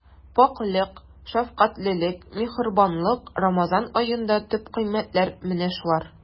Пакьлек, шәфкатьлелек, миһербанлык— Рамазан аенда төп кыйммәтләр менә шулар.